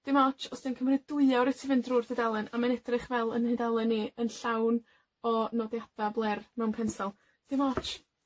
Dim otss os 'di o'n cymryd dwy awr i ti fynd drw'r dudalen, a mae'n edrych fel 'yn nhudalen i, yn llawn o nodiada bler mewn pensel. Dim otsh.